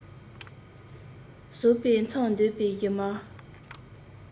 ཟོག པོའི མཚམ འདོན པའི བཞུ མར